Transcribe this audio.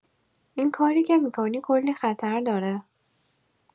این کاری که می‌کنی، کلی خطر داره!